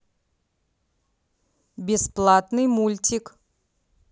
бесплатный мультик